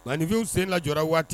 Manifinw sen ka jɔra waati